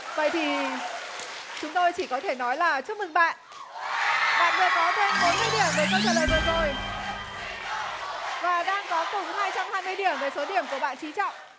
vậy thì chúng tôi chỉ có thể nói là chúng mừng bạn bạn vừa có thêm bốn mươi điểm với câu trả lời vừa rồi và đang có cùng hai trăm hai mươi điểm với số điểm của bạn chí trọng